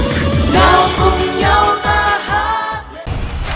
nào cùng nhau ta hát lên